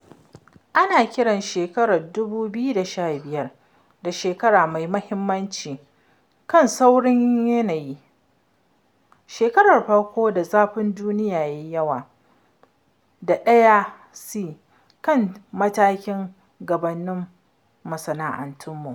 Ana kiran shekarar 2015 da shekara mai mahimmanci kan sauyin yanayi; shekarar farko da zafin duniya yayi sama da 1°C kan matakin gabannin masana’antu.